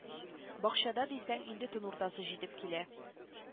Бакчада дисәң инде төн уртасы җитеп килә